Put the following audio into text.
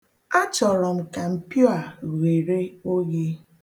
Achọrọ m ka mpio a ghere oghe.